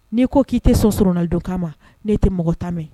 N'i ko k'i tɛ sɔn soronalidonkan ma, n'e tɛ mɔgɔ ta mɛn